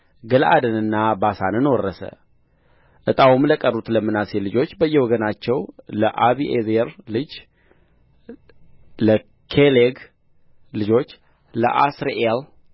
ገለዓድንና ባሳንን ወረሰ ዕጣውም ለቀሩት ለምናሴ ልጆች በየወገኖቻቸው ለአቢዔዝር ልጆች ለኬሌግ ልጆች ለአሥሪኤል